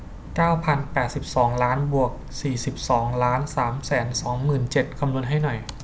เก้าพันแปดสิบสองล้านบวกสี่สิบสองล้านสามแสนสองหมื่นเจ็ดคำนวณให้หน่อย